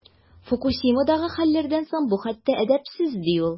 Фукусимадагы хәлләрдән соң бу хәтта әдәпсез, ди ул.